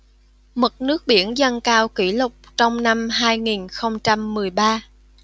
mực nước biển dâng cao kỷ lục trong năm hai nghìn không trăm mười ba